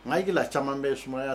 Maa'i la caman bɛ ye sumaya